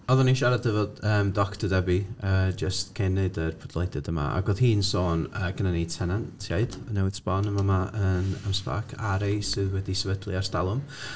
Oeddwn i'n siarad efo yym Doctor Debbie yy jyst cyn wneud y podlediad yma ac oedd hi'n sôn yy gennyn ni tenantiaid newydd sbon yn fama yn M-SParc a rhai sydd wedi sefydlu ers talwm ...